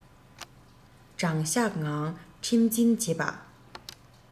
དྲང གཞག ངང ཁྲིམས འཛིན བྱེད པ